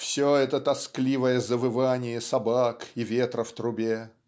все это тоскливое завывание собак и ветра в трубе